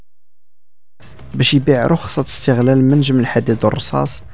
ايش يبيع رخصه استغلال منجم الحديد والرصاص